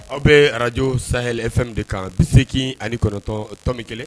Aw bɛ arajo sany e fɛnw de kan bi seki ani kɔnɔntɔntɔnmi kelen